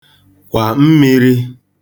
kwà mmīrī